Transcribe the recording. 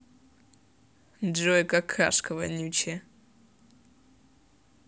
джой какашка вонючая